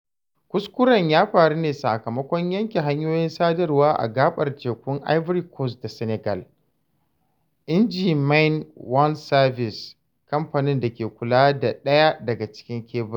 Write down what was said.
Kuskuren ya faru ne sakamakon yanke hanyoyin sadarwa a gaɓar tekun Ivory Coast da Senegal, in ji Main One Service, kamfanin da ke kula da ɗaya daga cikin keburan.